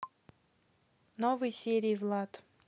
новые серии влад